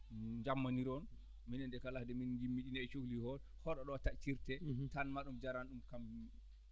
jammonndiron minen de kala haade min ngimmii ɗini e *faalo ɗo taccirte tan maɗum jaran ɗum kam